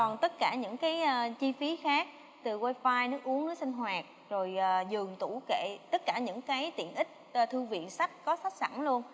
còn tất cả những cái chi phí khác từ goai phai nước uống nước sinh hoạt rồi giường tủ kệ tất cả những cái tiện ích tại thư viện sách có sắp sẵn luôn